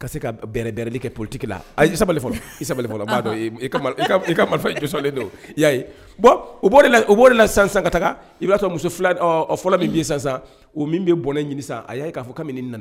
Ka se kaɛrɛɛrɛli kɛ politigi la sabali fɔlɔ i sabali fɔlɔ b'a dɔn ka marifasɔlen don'a u' la san ka taa i b'a sɔrɔ muso fila fɔlɔ min' san san o min bɛ bɔnɛ ɲinin sa a y'a k'a fɔ ka min nana